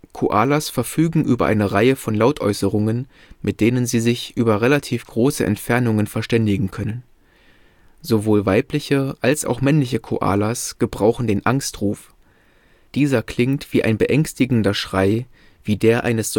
Koalas verfügen über eine Reihe von Lautäußerungen, mit denen sie sich über relativ große Entfernungen verständigen können. Sowohl weibliche als auch männliche Koalas gebrauchen den Angstruf. Dieser klingt wie ein beängstigender Schrei, wie der eines